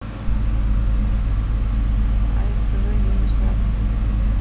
а ств юнусали